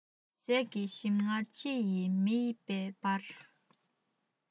ཟས ཀྱི ཞིམ མངར ལྕེ ནས མིད པའི བར